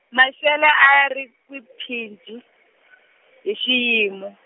Mashele a ya ri kwipinji, hi xiyimo.